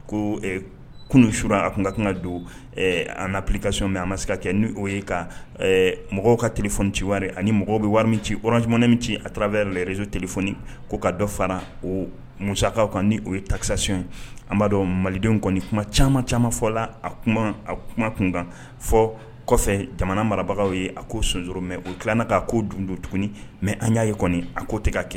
Ko kununur a tun ka kan ka don an na pkasoy mɛ an ma se ka kɛ n' ye ka mɔgɔw ka tf ci wari ani mɔgɔ bɛ wari min ci ojumanɛ min ci a tarawele yɛrɛ rezo tfoni ko ka dɔ fara o musakaw kan ni o ye takisayon ye an b'a dɔn malidenw kɔni kuma caman caman fɔ la a a kuma kunkan fɔ kɔfɛ jamana marabagaw ye a ko son mɛ o tila k ka ko don don tuguni mɛ an y'a ye kɔni a k'o tɛ ka kɛ